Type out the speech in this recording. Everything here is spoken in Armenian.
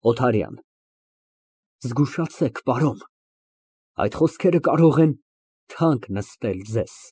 ՕԹԱՐՅԱՆ ֊ Զգուշացեք, պարոն, այդ խոսքերը կարող են թանկ նստել ձեզ։